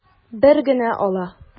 Бер генә ала.